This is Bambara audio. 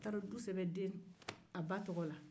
a taara du sɛben den a ba tɔgɔ la